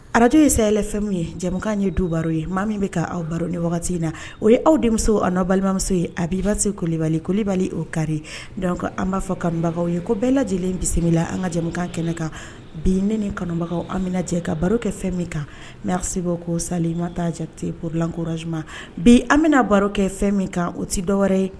Arajo ye saya fɛn min ye jamukan ye du baro ye maa min bɛ aw baro ni wagati in na o ye aw denmuso a balimamuso ye a b'ibaa se koli bali koli bali'o kari dɔn ko an b'a fɔ kabagaw ye ko bɛɛ lajɛ lajɛlen bisimila an ka jamakan kɛnɛ kan bi ne ni kanubagaw an bɛ lajɛ ka baro kɛ fɛn min kan n se' ko sa ma taa jatetelkora j bi an bɛna baro kɛ fɛn min kan o tɛ dɔw ye